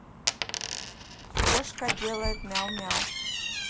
кошка делает мяу мяу